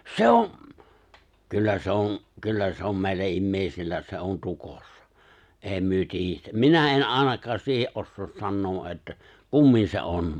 se on kyllä se on kyllä se on meillä ihmisillä se on tukossa ei me tiedetä minä en ainakaan siihen osaa sanoa että kummin se on